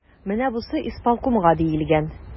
Менә бусы исполкомга диелгән.